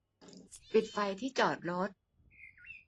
ปิดไฟที่จอดรถ